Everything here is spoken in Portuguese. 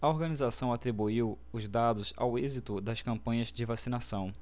a organização atribuiu os dados ao êxito das campanhas de vacinação